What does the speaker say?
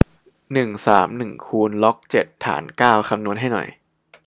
หนึ่งสามหนึ่งคูณล็อกเจ็ดฐานเก้าคำนวณให้หน่อย